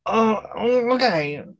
O, mm, oce.